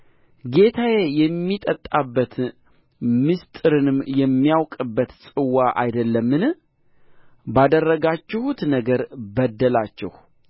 ጌታዬ የሚጠጣበት ምሥጢርንም የሚያውቅበት ጽዋ አይደለምን ባደረጋችሁት ነገር በደላችሁ